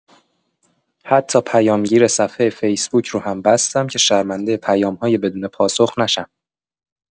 حتی پیام‌گیر صفحه فیسبوک رو هم بستم که شرمنده پیام‌های بدون پاسخ نشم.